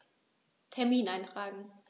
Termin eintragen